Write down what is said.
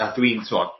A dwi'n t'wod